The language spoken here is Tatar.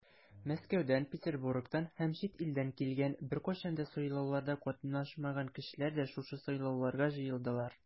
Мәскәүдән, Петербургтан һәм чит илдән килгән, беркайчан да сайлауларда катнашмаган кешеләр дә шушы сайлауларга җыелдылар.